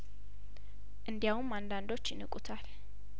እንዲያውም አንዳንዶች ይንቁታል